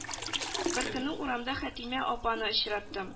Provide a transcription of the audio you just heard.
Беркөнне урамда хәтимә апаны очраттым